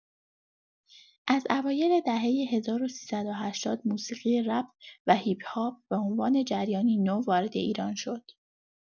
از اوایل دهۀ ۱۳۸۰، موسیقی رپ و هیپ‌هاپ به‌عنوان جریانی نو وارد ایران شد.